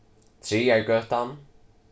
traðargøtan